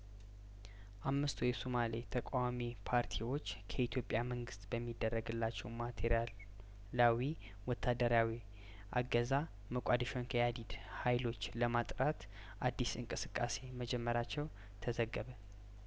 አምስቱ የሶማሌ ተቃዋሚ ፓርቲዎች ከኢትዮጵያ መንግስት በሚደረግላቸው ማቴሪያልላዊ ወታደራዊ እገዛ ሞቃዲሾን ከአይዲድ ሀይሎች ለማጥራት አዲስ እንቅስቃሴ መጀመራቸው ተዘገበ